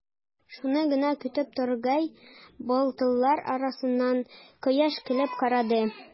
Шуны гына көтеп торгандай, болытлар арасыннан кояш көлеп карады.